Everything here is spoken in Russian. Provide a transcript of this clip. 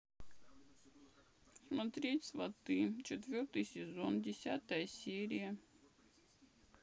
смотреть сваты четвертый сезон десятая серия